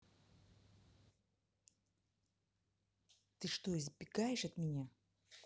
ты что избегаешь от меня